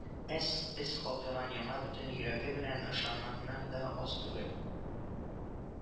Әс эз калдырган, яңа бөтен йөрәге белән ышанганнар да аз түгел